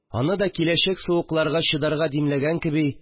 Аны да киләчәк суыкларга чыдарга димләгән кеби